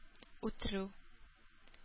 Үтерү